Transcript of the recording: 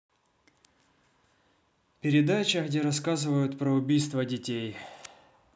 передача где рассказывают про убийства детей